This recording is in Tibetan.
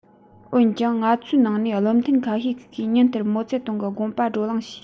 འོན ཀྱང ང ཚོའི ནང ནས བློ མཐུན ཁ ཤས ཤིག གིས ཉིན ལྟར མའོ ཙེ ཏུང གི དགོངས པ བགྲོ གླེང བྱས